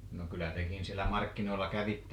no kyllä tekin siellä markkinoilla kävitte